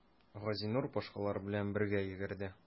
Газинур башкалар белән бергә йөгерде.